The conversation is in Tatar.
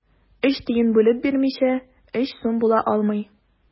Өч тиен бүлеп бирмичә, өч сум була алмый.